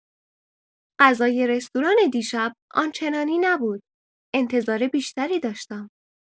غذای رستوران دیشب آنچنانی نبود، انتظار بیشتری داشتم.